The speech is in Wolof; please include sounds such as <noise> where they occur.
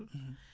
<hesitation> <hesitation>